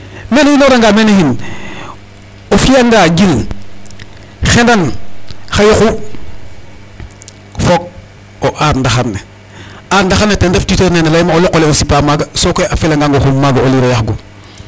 Mene i inoranga mene xin o fi'anga jil xendan xa yoqu fok o aar ndaxar ne, aar ndaxar ne ten ref tuteur nene layma o loq ole o sipa maaga sokoy a felangang o xum maaga o liir o yaxgu .